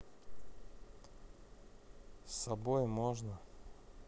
с собой можно